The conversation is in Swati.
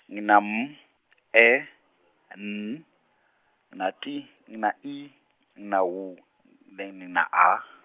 ngina M, E , N, ngina T, ngina I, ngina W, then ngina A.